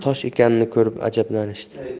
tosh ekanini ko'rib ajablanishdi